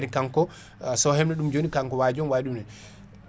kanko so hebno ɗumen joni kanko waji o omo wawi ɗumininde